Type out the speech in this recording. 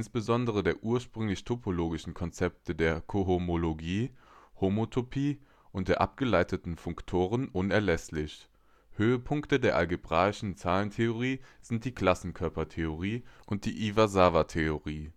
insbesondere die ursprünglich topologischen Konzepte der Kohomologie, Homotopie und der abgeleiteten Funktoren unerlässlich. Höhepunkte der algebraischen Zahlentheorie sind die Klassenkörpertheorie und die Iwasawa-Theorie